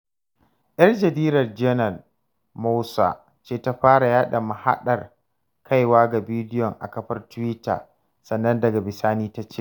Yar jarida Jenan Moussa ce ta fara yaɗa mahaɗar kaiwa ga bidiyon a kafar Tiwita, sannan daga bisani ta cire.